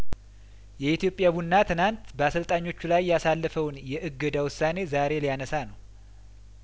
የኢትዮጵያ ቡና ትናንት በአሰልጣኞቹ ላይ ያሳለፈውን የእገዳ ውሳኔ ዛሬ ሊያነሳ ነው